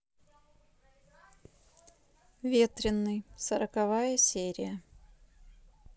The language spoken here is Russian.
ветренный сороковая серия